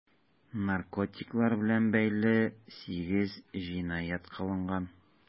Наркотиклар белән бәйле 8 җинаять кылынган.